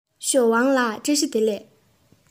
ཞའོ ཝང ལགས བཀྲ ཤིས བདེ ལེགས